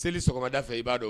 Seli sɔgɔmada da fɛ i b'a dɔn